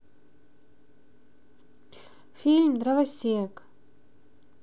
фильм дровосек